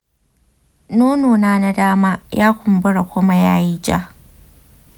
nono na na dama ya kumbura kuma yayi ja.